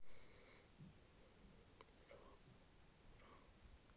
ров ров